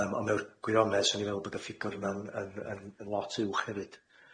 Yym on' mewn gwironedd 'swn i'n meddwl bod y ffigwr yma'n yn yn yn lot uwch hefyd